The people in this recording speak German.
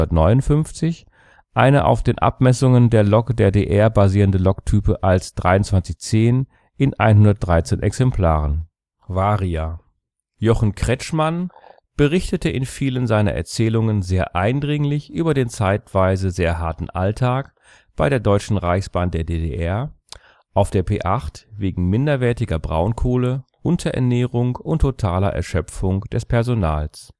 1959 eine auf den Abmessungen der Lok der DR basierende Loktype als 2310 in 113 Exemplaren. Jochen Kretschmann berichtet in vielen seiner Erzählungen sehr eindringlich über den zeitweise sehr harten Alltag bei der DR (DDR) auf der P 8 (minderwertige Kohle (Braunkohle), Unterernährung, totale Erschöpfung des Personals